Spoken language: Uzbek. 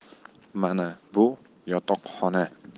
mana bu yotoqxona